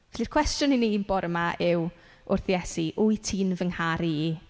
Felly'r cwestiwn i ni bore 'ma yw, wrth Iesu "Wyt ti'n fy ngharu i?".